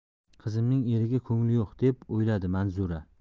qizimning eriga ko'ngli yo'q deb o'yladi manzura